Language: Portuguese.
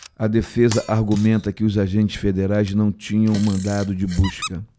a defesa argumenta que os agentes federais não tinham mandado de busca